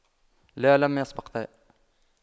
لا لم يسبق